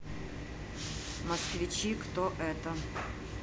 москвичи кто это